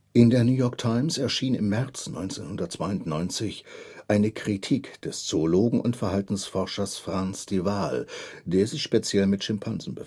In den New York Times erschien im März 1992 eine Kritik des Zoologen und Verhaltensforschers Frans de Waal, der sich speziell mit Schimpansen